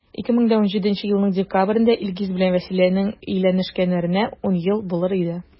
2017 елның декабрендә илгиз белән вәсиләнең өйләнешкәннәренә 10 ел булыр иде.